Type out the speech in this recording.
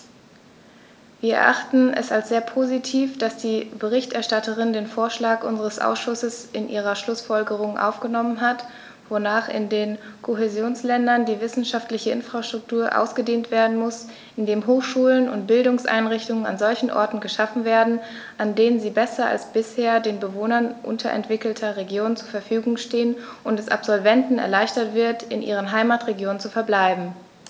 Wir erachten es als sehr positiv, dass die Berichterstatterin den Vorschlag unseres Ausschusses in ihre Schlußfolgerungen aufgenommen hat, wonach in den Kohäsionsländern die wissenschaftliche Infrastruktur ausgedehnt werden muss, indem Hochschulen und Bildungseinrichtungen an solchen Orten geschaffen werden, an denen sie besser als bisher den Bewohnern unterentwickelter Regionen zur Verfügung stehen, und es Absolventen erleichtert wird, in ihren Heimatregionen zu verbleiben.